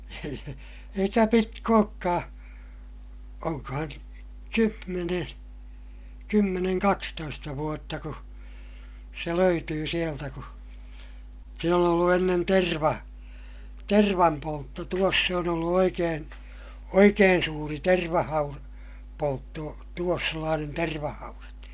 eikä pitkä olekaan onkohan kymmenen kymmenen kaksitoista vuotta kun se löytyi sieltä kun siinä on ollut ennen - tervanpoltto tuossa se on ollut oikein oikein suuri - tervahaudanpoltto tuossa sellainen tervahaudat